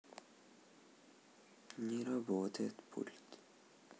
не работает пульт